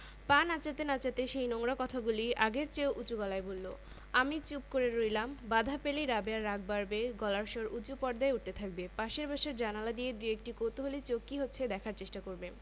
কেউ বলতে পারে ভাবিনি আমি বললাম কে বলেছে আজ সকালে বলেছে কে সে ঐ যে লম্বা ফর্সা রাবেয়া সেই ছেলেটির আর কোন পরিচয়ই দিতে পারবে না